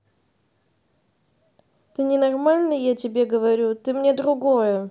ты ненормальный я тебе говорю ты мне другое